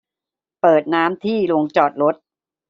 เปิดน้ำที่โรงจอดรถ